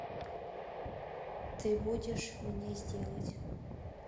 ты будешь мне сделать